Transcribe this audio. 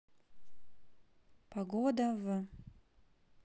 погода в